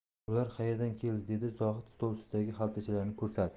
bular qaerdan keldi dedi zohid stol ustidagi xaltachalarni ko'rsatib